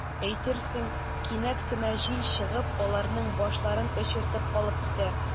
Әйтерсең, кинәт кенә җил чыгып, аларның “башларын” очыртып алып китә.